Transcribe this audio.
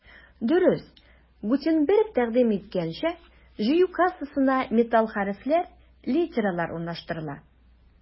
Дөрес, Гутенберг тәкъдим иткәнчә, җыю кассасына металл хәрефләр — литералар урнаштырыла.